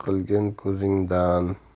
gina qilgin ko'zingdan